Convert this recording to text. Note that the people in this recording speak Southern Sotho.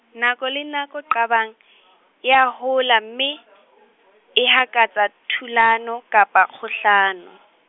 nako le nako qabang , e a hola mme, e hakatsa thulano kapa kgahlano.